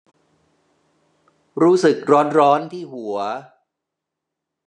รู้สึกร้อนร้อนที่หัว